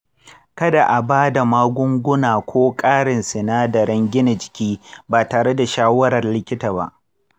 kada a ba da magunguna ko ƙarin sinadaran gina jiki ba tare da shawarar likita ba.